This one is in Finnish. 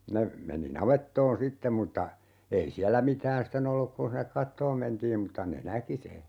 ne meni navettaan sitten mutta ei siellä mitään sitten ollut kun sinne katsomaan mentiin mutta ne näki sen